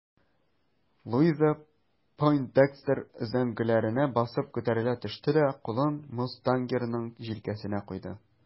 Луиза Пойндекстер өзәңгеләренә басып күтәрелә төште дә кулын мустангерның җилкәсенә куйды.